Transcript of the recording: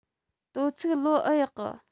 དོ ཚིག ལོ ཨེ ཡག གི